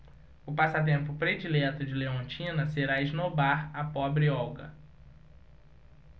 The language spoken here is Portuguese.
o passatempo predileto de leontina será esnobar a pobre olga